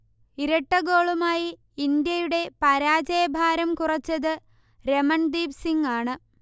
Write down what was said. ഇരട്ടഗോളുമായി ഇന്ത്യയുടെ പരാജയഭാരം കുറച്ചത് രമൺദീപ് സിങ്ങാണ്